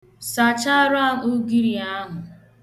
Sachara m ugiri ahụ.